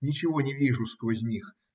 Ничего я не вижу сквозь них